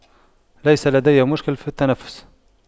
ليس لدي مشكل في التنفس